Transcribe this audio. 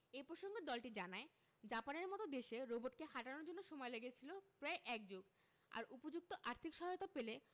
এ প্রসঙ্গে দলটি জানায় জাপানের মতো দেশে রোবটকে হাঁটানোর জন্য সময় লেগেছিল প্রায় এক যুগ আর উপযুক্ত আর্থিক সহায়তা পেলে